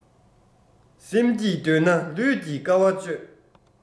སེམས སྐྱིད འདོད ན ལུས ཀྱིས དཀའ བ སྤྱོད